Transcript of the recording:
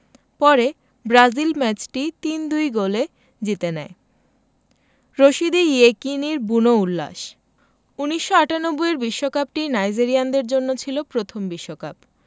পরে ব্রাজিল ম্যাচটি ৩ ২ গোলে জিতে নেয় রশিদী ইয়েকিনীর বুনো উল্লাস ১৯৯৮ এর বিশ্বকাপটি নাইজেরিয়ানদের জন্য ছিল প্রথম বিশ্বকাপ